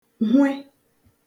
hwe